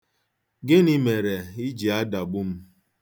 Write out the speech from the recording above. Gịnị mere ị ji adagbụ m?